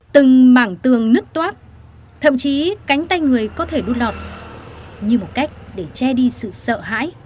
từng mảng tường nứt toác thậm chí cánh tay người có thể đút lọt như một cách để che đi sự sợ hãi